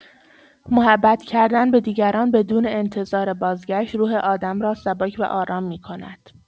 محبت کردن به دیگران بدون انتظار بازگشت، روح آدم را سبک و آرام می‌کند.